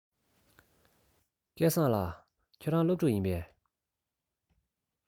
སྐལ བཟང ལགས ཁྱེད རང སློབ ཕྲུག ཡིན པས